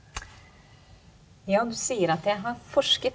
ja du sier at jeg har forsket.